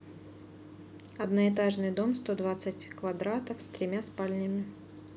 одноэтажный дом сто двадцать квадратов с тремя спальнями